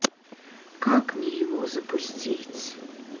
как мне его запустить